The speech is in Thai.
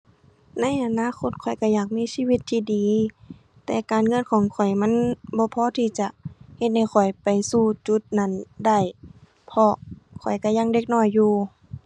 ในอนาคตข้อยก็อยากมีชีวิตที่ดี แต่การเงินของข้อยมันบ่พอที่จะ เฮ็ดให้ข้อยไปสู่จุดนั้นได้ เพราะข้อยก็ยังเด็กน้อยอยู่